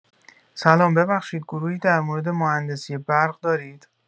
سلام ببخشید گروهی در مورد مهندسی برق دارید؟